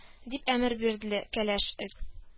Дип әмер бирде кәләш-эт